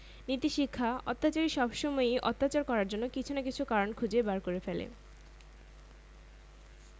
সংগৃহীত দৈনিক ইত্তেফাক ৩১ জুলাই ২০১৭ইংরেজি ১৭ টা ৬ মিনিট